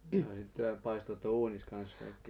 no sitten te paistoitte uunissa kanssa kaikkia